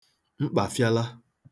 mkpafịala